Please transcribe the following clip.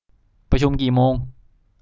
ประชุมกี่โมง